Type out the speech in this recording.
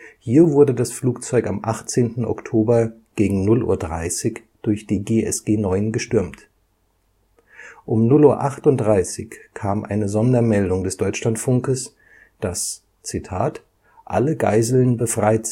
Hier wurde das Flugzeug am 18. Oktober gegen 0:30 Uhr durch die GSG 9 gestürmt. Um 0:38 Uhr kam eine Sondermeldung des Deutschlandfunkes, dass „ alle Geiseln befreit